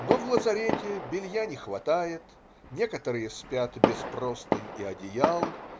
Но в лазарете белья не хватает, некоторые спят без простынь и одеял.